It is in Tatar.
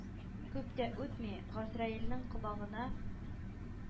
Күп тә үтми, газраилнең колагына